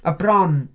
Mae bron...